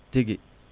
tigui